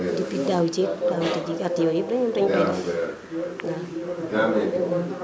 depuis daaw jéeg daawaati jéeg at yooyu yëpp dañ koy def waaw